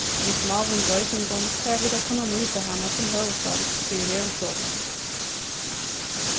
við smáum broytingum fara vit at kunna nýta hana sum høvuðsdeild fyri veðurstovuna